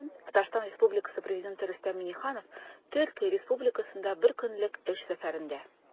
Бүген Татарстан Республикасы Президенты Рөстәм Миңнеханов Төркия Республикасында бер көнлек эш сәфәрендә.